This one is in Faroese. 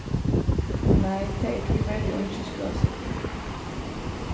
nei tað er tíverri eingin skráseting